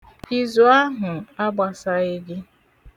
Izu ahụ agbasaghị gị.